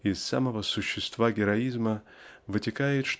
Из самого существа героизма вытекает